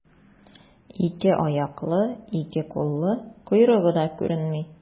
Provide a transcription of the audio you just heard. Ике аяклы, ике куллы, койрыгы да күренми.